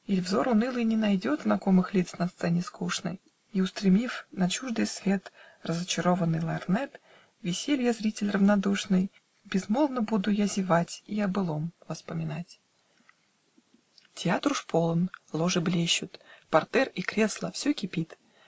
Иль взор унылый не найдет Знакомых лиц на сцене скучной, И, устремив на чуждый свет Разочарованный лорнет, Веселья зритель равнодушный, Безмолвно буду я зевать И о былом воспоминать? Театр уж полон ложи блещут Партер и кресла - все кипит